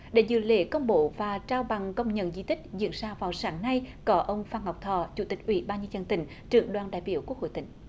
đến dự lễ công bố và trao bằng công nhận di tích diễn ra vào sáng nay có ông phan ngọc thọ chủ tịch ủy ban nhân dân tỉnh trưởng đoàn đại biểu quốc hội tỉnh